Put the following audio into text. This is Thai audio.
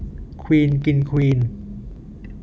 ควีนกินควีน